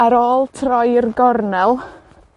ar ôl troi'r gornel,